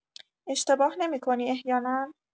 اشتباه نمی‌کنی احیانا؟